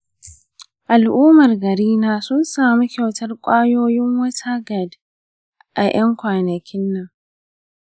al'ummar garina sun samu kyautar ƙwayoyin waterguard a ƴan kwanakin nan.